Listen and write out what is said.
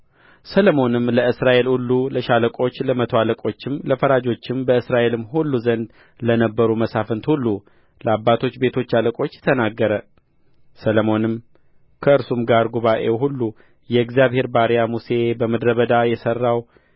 ሰሎሞንም ለእስራኤል ሁሉ ለሻለቆች ለመቶ አለቆችም ለፈራጆችም በእስራኤልም ሁሉ ዘንድ ለነበሩ መሳፍንት ሁሉ ለአባቶች ቤቶች አለቆች ተናገረ ሰሎሞንም ከእርሱም ጋር ጉባኤው ሁሉ የእግዚአብሔር ባሪያ ሙሴ በምድረ በዳ የሠራው